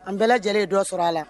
An bɛɛ lajɛlen dɔ sɔrɔ a la